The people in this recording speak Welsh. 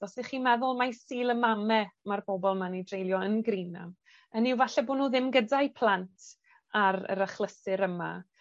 os 'ych chi'n meddwl mae Sul y Mame ma'r bobol 'ma'n eu dreulio yn Greenahm hynny yw falle bo' nw ddim gyda'u plant ar yr achlysur yma.